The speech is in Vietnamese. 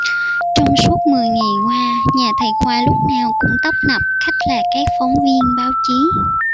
trong suốt mười ngày qua nhà thầy khoa lúc nào cũng tấp nập khách là các phóng viên báo chí